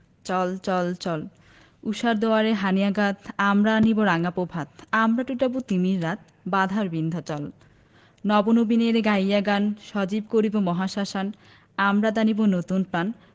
চল চল চল ঊষার দুয়ারে হানি আঘাত আমরা আনিব রাঙা পভাত আমরা টুটাব তিমির রাত বাধার বিন্ধ্যাচল নব নবীনের গাইয়া গান সজীব করিব মহাশ্মশান আমরা দানিব নতুন প্রাণ